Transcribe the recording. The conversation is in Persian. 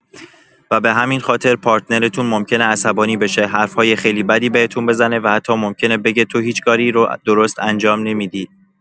و به همین خاطر، پارتنرتون ممکنه عصبانی بشه، حرف‌های خیلی بدی بهتون بزنه و حتی ممکنه بگه «تو هیچ کاری رو درست انجام نمی‌دی!»